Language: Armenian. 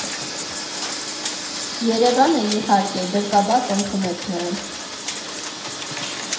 Երևանը, իհարկե, գրկաբաց ընդունեց նրան։